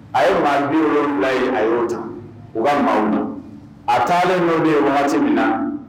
A ye maa bi yɔrɔwula ye a y'o ta u ka maa dɔn a taalen n'o de ye waati wagati min na